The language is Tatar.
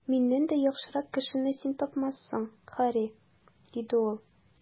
Миннән дә яхшырак кешене син тапмассың, Һарри, - диде ул.